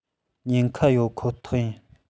ཉན ཁ ཡོད ཁོ ཐག ཡིན